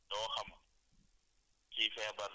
benn pot la ñuy am pour kër gi yëpp